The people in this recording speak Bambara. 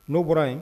N'o bɔra yen.